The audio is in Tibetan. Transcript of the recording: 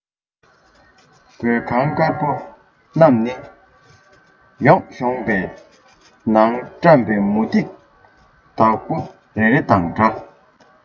བོད ཁང དཀར པོ རྣམས ནི གཡུའི གཞོང པའི ནང བཀྲམ པའི མུ ཏིག རྡོག པོ རེ རེ དང འདྲ